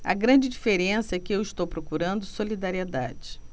a grande diferença é que eu estou procurando solidariedade